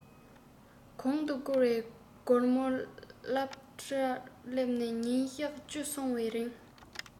གོང དུ བསྐུར བའི སྒོར མ སློབ གྲྭར སླེབས ནས ཉིན གཞག བཅུ སོང བའི རིང